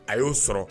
A y'o sɔrɔ